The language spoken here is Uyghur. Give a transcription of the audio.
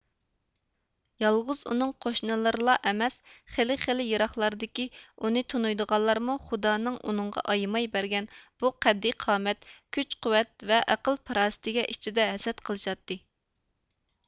يالغۇز ئۇنىڭ قوشنىلىرىلا ئەمەس خېلى خېلى يىراقلاردىكى ئۇنى تونۇيدىغانلارمۇ خۇدانىڭ ئۇنىڭغا ئايىماي بەرگەن بۇ قەددىي قامەت كۈچ قۇۋۋەت ۋە ئەقىل پاراسىتىگە ئىچىدە ھەسەت قىلىشاتتى